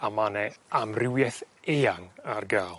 A ma' 'ne amrywieth eang ar ga'l